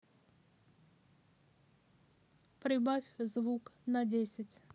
прибавь звук на десять